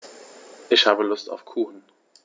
Ich habe Lust auf Kuchen.